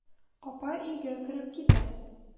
Апа өйгә кереп китә.